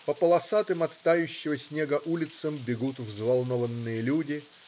По полосатым от тающего снега улицам бегут взволнованные люди.